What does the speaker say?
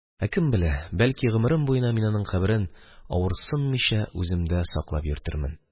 Ә кем белә, бәлки, гомерем буена мин аның каберен, авырыксынмыйча, үземдә саклап йөртермен.